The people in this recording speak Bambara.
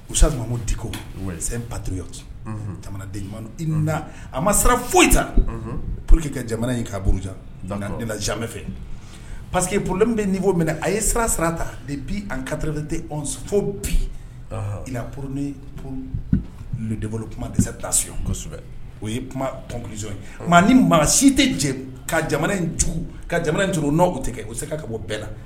Usa ma diko pato jamanaden i a ma sara foyita pour que kɛ jamana in ye'a bolome fɛ pa que pllen bɛ' bɔ minɛ a ye sara sarata de bi an kata de tɛ fo bi poro ni debolo kuma dɛsɛsasiyɔn kɔ kosɛbɛ o ye kumasɔn ye maa ni maa si tɛ jɛ ka jamana in ka jamana in tun n' tɛ o se ka bɔ bɛɛ la